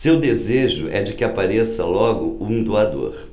seu desejo é de que apareça logo um doador